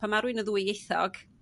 pam ma' rwy'n yn ddwyieithog